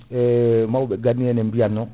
mawɓe ganiya ne biyatno